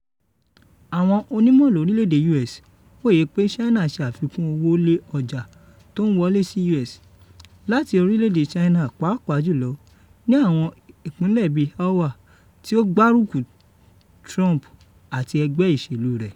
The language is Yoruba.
Àwọn onímọ̀ lórílèedè U.S. wòye pé China ṣe àfikún owó lè ọjà tó ń wọlé sí U.S. láti orílẹ̀èdè China pàápàá jùlọ ní àwọn ìpínlẹ̀ bíi Iowa tí ó gbárùkù Trump àti ẹgbẹ́ ìṣèlú rẹ̀.